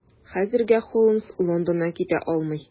Хәзергә Холмс Лондоннан китә алмый.